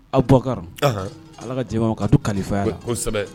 Aw bɔkan ala ka jama ka to kalifaya la kosɛbɛ